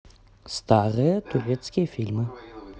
старые турецкие фильмы